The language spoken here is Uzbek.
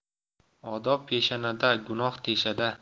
odob peshada gunoh teshada